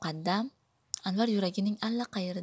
muqaddam anvar yuragining allaqayerida